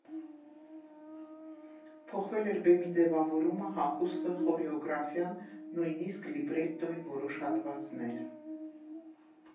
Փոխվել էր բեմի ձևավորումը, հագուստը, խորեոգրաֆիան, նույնիսկ լիբրետոյի որոշ հատվածներ.